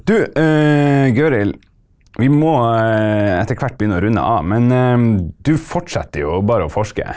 du Gøril vi må etter hvert begynne å runde av, men du fortsetter jo bare å forske.